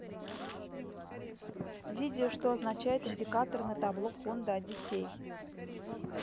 видео что означают индикаторы на табло хонда одиссей